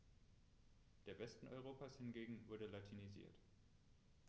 Der Westen Europas hingegen wurde latinisiert.